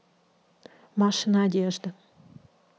машины одежды